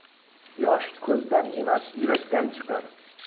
yosh ko'zdan emas yurakdan chiqar